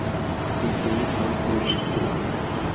ertaga sovuq bo'lishi kutiladi